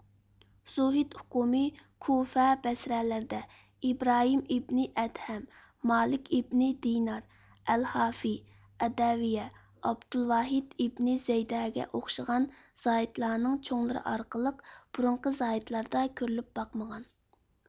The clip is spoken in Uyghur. زۇھد ئوقۇمى كۇفە بەسرەلەردە ئىبراھىم ئىبنى ئەدھەم مالىك ئىبنى دىينار ئەلھافىي ئەدەۋىييە ئابدۇلۋاھىد ئىبنى زەيدكە ئوخشىغان زاھىدلارنىڭ چوڭلىرى ئارقىلىق بۇرۇنقى زاھىدلاردا كۆرۈلۈپ باقمىغان